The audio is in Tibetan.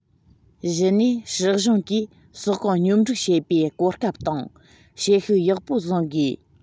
བཞི ནས སྲིད གཞུང གིས ཟོག གོང སྙོམས སྒྲིག བྱེད པའི གོ སྐབས དང བྱེད ཤུགས ཡག པོ བཟུང དགོས